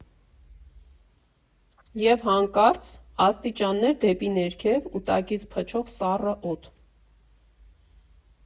Եվ հանկարծ՝ աստիճաններ դեպի ներքև ու տակից փչող սառը օդ։